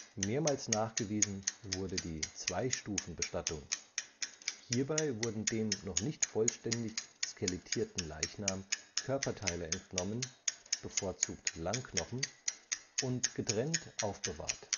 Mehrmals nachgewiesen wurde die Zweistufenbestattung. Hierbei wurden dem noch nicht vollständig skelettierten Leichnam Körperteile entnommen (bevorzugt Langknochen) und getrennt aufbewahrt